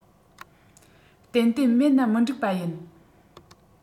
ཏན ཏན མེད ན མི འགྲིག པ ཡིན